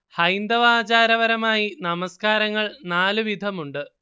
ഹൈന്ദവാചാരപരമായി നമസ്കാരങ്ങൾ നാല് വിധമുണ്ട്